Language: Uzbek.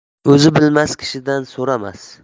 o'zi bilmas kishidan so'ramas